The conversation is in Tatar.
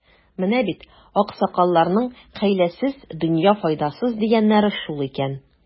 Менә бит, аксакалларның, хәйләсез — дөнья файдасыз, дигәннәре шул икән.